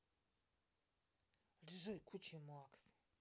джой кучи макс